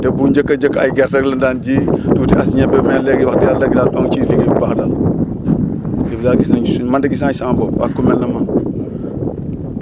te bu njëkk njëkk ay gerte rek lan daan ji tuuti as ñebe mais léegi wax dëgg yàlla léegi daal ñoo ngi ciy liggéey bu baax daal kii bi daal gis nañ suñ man de gis naa si sama bopp ak ku mel ne man